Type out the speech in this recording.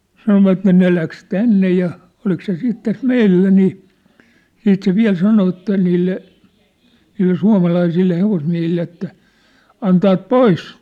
sanoivat ne lähti tänne ja oliko se sitten tässä meillä niin sitten se vielä sanoi että niille niille suomalaisille hevosmiehille että antavat pois